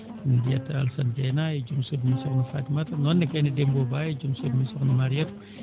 min njetta Alassane Deiyna e jom suudu mum sokhna Fatumata noon ne kayne Dembo Ba e jom suudu mum sokhna Mariétou